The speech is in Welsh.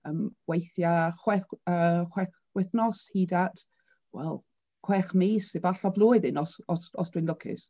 Yym weithiau chweth yy chwech wythnos hyd at wel chwech mis, efallai blwyddyn os os os dw i'n lwcus.